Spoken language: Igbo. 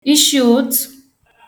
ishi ụtụ̄